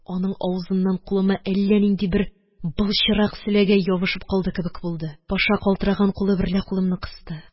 Аның авызыннан кулыма әллә нинди бер былчырак селәгәй ябышып калды кебек булды. Паша калтыраган кулы берлә кулымны кысты